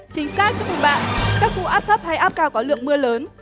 chính xác chúc mừng bạn các khu áp thấp hay áp cao có lượng mưa lớn